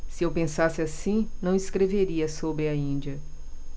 se eu pensasse assim não escreveria sobre a índia